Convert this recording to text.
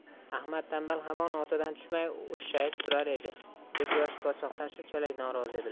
ahmad tanbal hamon otidan tushmay o'shshayib turar edi deb yosh podshohdan shunchalik norozi edilar